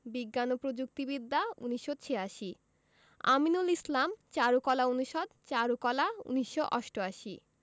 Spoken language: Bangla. বিজ্ঞান ও প্রযুক্তি বিদ্যা ১৯৮৬ আমিনুল ইসলাম চারুকলা অনুষদ চারুকলা ১৯৮৮